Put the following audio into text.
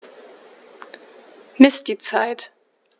Miss die Zeit.